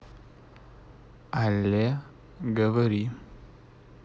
алле говори